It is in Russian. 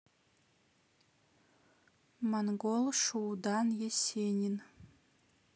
монгол шуудан есенин